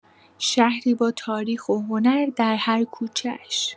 شهری با تاریخ و هنر در هر کوچه‌اش.